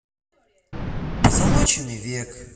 позолоченный век